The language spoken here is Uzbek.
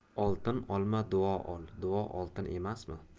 oltin olma duo ol duo oltin emasmi